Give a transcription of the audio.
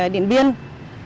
điện biên